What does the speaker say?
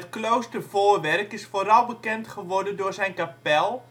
klooster voorwerk is vooral bekend geworden door zijn kapel